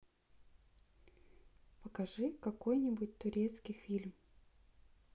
покажите какой нибудь турецкий фильм